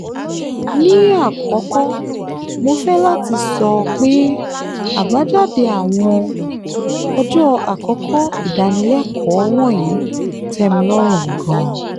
Ní àkọ́kọ́, mo fẹ́ láti sọ pé àbájáde àwọn ọjọ́ àkọ́kọ́ ìdánilẹ́kọ̀ọ́ wọ̀nyí tẹ́milọ́rùn gan-an.